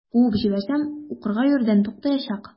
Куып җибәрсәм, укырга йөрүдән туктаячак.